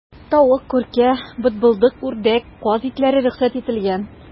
Тавык, күркә, бытбылдык, үрдәк, каз итләре рөхсәт ителгән.